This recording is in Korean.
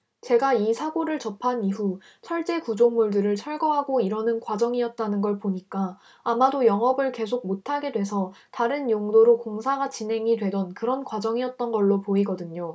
제가 이 사고를 접한 이후 철제구조물들을 철거하고 이러는 과정이었다는 걸 보니까 아마도 영업을 계속 못하게 돼서 다른 용도로 공사가 진행이 되던 그런 과정이었던 걸로 보이거든요